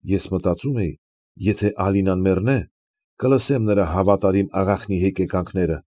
Ես մտածում էի, եթե Ալիսան մեռնե, կլսեմ նրա հավատարիմ աղախնի հեկեկանքները։